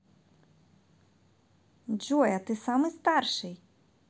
джой а ты самый старший